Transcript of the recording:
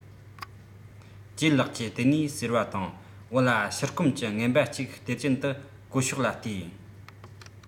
ལྗད ལགས ཀྱིས དེ ནས ཟེར བ དང བུ ལ ཕྱུར སྐོམ གྱི བརྔན པ གཅིག སྟེར གྱིན དུ སྒོ ཕྱོགས ལ བལྟས